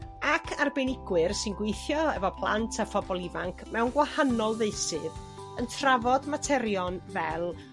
ac arbenigwyr sy'n gwithio efo plant a phobol ifanc mewn gwahanol feysydd yn trafod materion fel